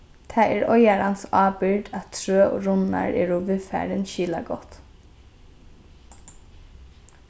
tað er eigarans ábyrgd at trø og runnar eru viðfarin skilagott